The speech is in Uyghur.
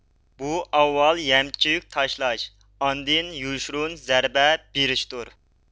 بۇ ئاۋۋال يەمچۈك تاشلاش ئاندىن يوشۇرۇن زەربە بېرىشتۇر